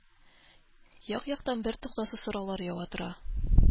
Як-яктан бертуктаусыз сораулар ява тора.